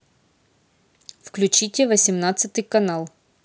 включите восемнадцатый канал